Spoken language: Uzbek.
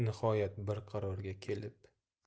nihoyat bir qarorga kelib